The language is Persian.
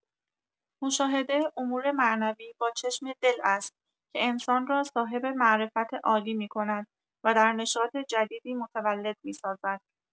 مشاهده امور معنوی با چشم دل است که انسان را صاحب معرفت عالی می‌کند و در نشاط جدیدی متولد می‌سازد.